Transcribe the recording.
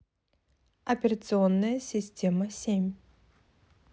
операционная система семь